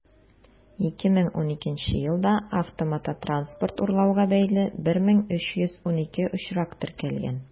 2012 елда автомототранспорт урлауга бәйле 1312 очрак теркәлгән.